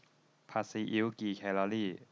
ผัดซีอิ๊วกี่แคลอรี่